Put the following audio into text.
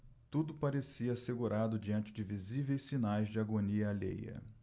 tudo parecia assegurado diante de visíveis sinais de agonia alheia